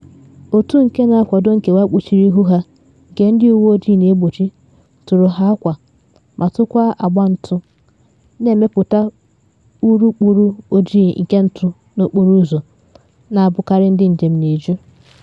Otu nke na akwado nkewa kpuchiri ihu ha nke ndị uwe ojii na egbochi tụrụ ha akwa ma tụkwaa agba ntụ, na emepụta urukpuru ojii nke ntụ n’okporo ụzọ na abụkarị ndị njem na eju.